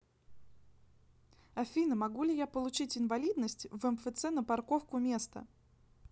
афина могу ли я получить инвалидность в мфц на парковку места